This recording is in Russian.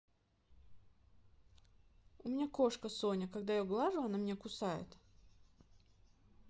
у меня кошка соня когда ее глажу она меня кусает